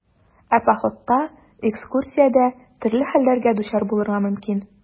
Ә походта, экскурсиядә төрле хәлләргә дучар булырга мөмкин.